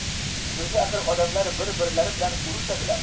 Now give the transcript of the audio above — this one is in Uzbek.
nega axir odamlar bir birlari bilan urushadilar